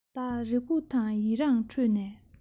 བདག རེ སྒུག དང ཡི རངས ཁྲོད ནས